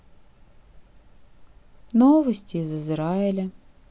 новости из израиля